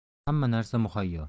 hamma narsa muhayyo